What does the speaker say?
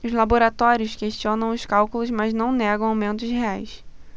os laboratórios questionam os cálculos mas não negam aumentos reais